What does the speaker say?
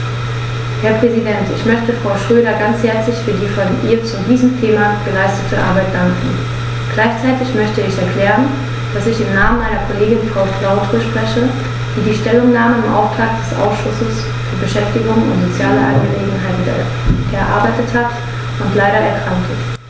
Herr Präsident, ich möchte Frau Schroedter ganz herzlich für die von ihr zu diesem Thema geleistete Arbeit danken. Gleichzeitig möchte ich erklären, dass ich im Namen meiner Kollegin Frau Flautre spreche, die die Stellungnahme im Auftrag des Ausschusses für Beschäftigung und soziale Angelegenheiten erarbeitet hat und leider erkrankt ist.